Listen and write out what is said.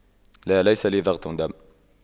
لا ليس لي ضغط دم